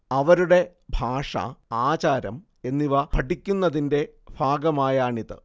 അവരുടെ ഭാഷ, ആചാരം എന്നിവ പഠിക്കുന്നതിന്റെ ഭാഗമായാണിത്